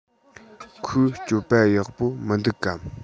ཁོའི སྤྱོད པ ཡག པོ མི འདུག གམ